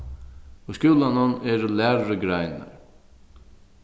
í skúlanum eru lærugreinar